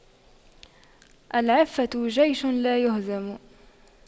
العفة جيش لايهزم